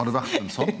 har det vore ein sånn?